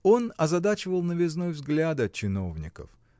Он озадачивал новизной взгляда чиновников.